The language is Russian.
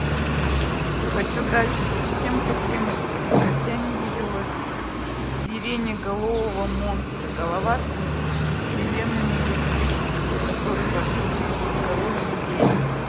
хочу дачу совсем проблемы твои как я не видела сиреноголового монстра голова с вселенными электрического который воды боится король людей